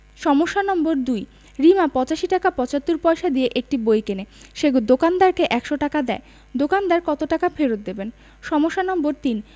সমস্যা নম্বর ২ রিমা ৮৫ টাকা ৭৫ পয়সা দিয়ে একটি বই কিনে সে দোকানদারকে ১০০ টাকা দেয় দোকানদার কত টাকা ফেরত দেবেন সমস্যা নম্বর ৩